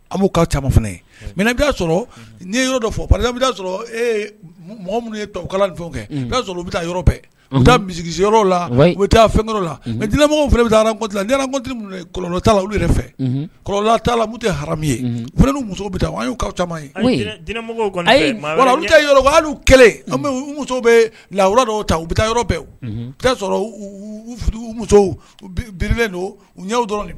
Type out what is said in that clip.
An b mɛ sɔrɔ sɔrɔ e minnu fɛn bɛ yɔrɔ u taa misi la u taa fɛn la mɛ dimɔgɔ bɛtilalo ta olu fɛ t ta la tɛ hami ye muso bɛ' caman ye yɔrɔ kɛlen an musow bɛ la wɛrɛ dɔw ta u bɛ taa yɔrɔ bɛɛ u sɔrɔ musow birilen don u ɲɛ dɔrɔn